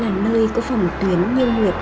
là nơi có phòng tuyến như nguyệt